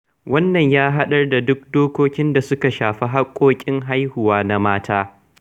Wannan ya haɗar da duk dokokin da suka shafi haƙƙoƙin jima'i da haihuwa na mata.